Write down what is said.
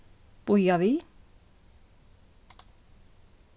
bíða við